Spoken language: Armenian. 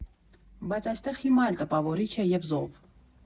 Բայց այստեղ հիմա էլ տպավորիչ է և զով։